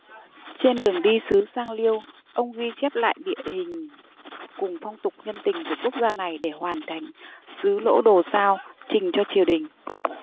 trên đường đi sứ sang liêu ông ghi chép lại địa hình cùng phong tục nhân tình của quốc gia này để hoàn thành sứ lỗ đồ sao trình cho triều đình